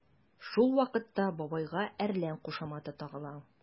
Шул вакытта бабайга “әрлән” кушаматы тагыла.